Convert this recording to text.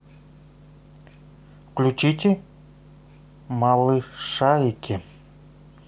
включите малышарики